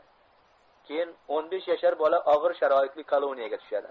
keyin o'n besh yashar bola og'ir sharoitli koloniyaga tushadi